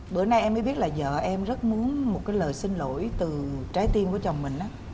bữa nay em mới biết là vợ em rất muốn một cái lời xin lỗi từ trái tim của chồng mình á